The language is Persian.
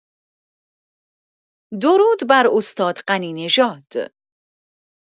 درود بر استاد غنی‌نژاد